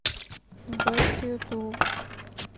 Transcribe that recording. бэст ютуб